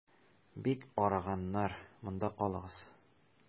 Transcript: Бик арыганнар, монда калыгыз.